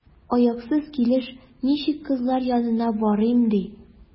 Аяксыз килеш ничек кызлар янына барыйм, ди?